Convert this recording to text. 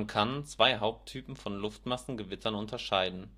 zwei Haupttypen von Luftmassengewitter unterscheiden